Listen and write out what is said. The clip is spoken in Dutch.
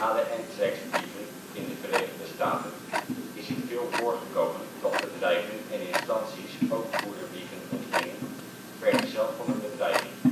de antrax-brieven in de Verenigde Staten is het veel voorgekomen dat bedrijven en instanties ook poederbrieven ontvingen, vergezeld van een bedreiging